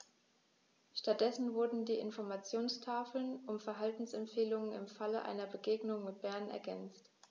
Stattdessen wurden die Informationstafeln um Verhaltensempfehlungen im Falle einer Begegnung mit dem Bären ergänzt.